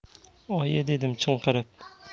oyi i i dedim chinqirib